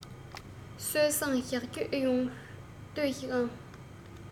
སྲོལ བཟང གཞག རྒྱུ ཨེ ཡོང ལྟོས ཤིག ཨང